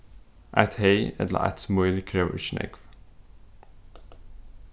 eitt hey ella eitt smíl krevur ikki nógv